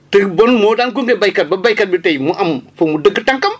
te bon moo daan gunge béykat ba béykat bi tey mu am fu mu dëgg tànkam